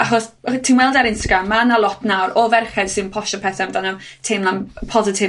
Achos ti'n weld ar Instagram ma' 'na lot nawr o ferched sy'n postio pethe amdano teimlo'n positif